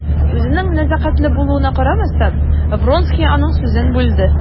Үзенең нәзакәтле булуына карамастан, Вронский аның сүзен бүлде.